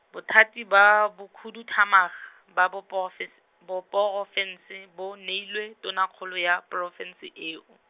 bothati ba bokhuduthamaga, ba bo porofes-, bo porofense bo neilwe, Tonakgolo, ya porofense eo.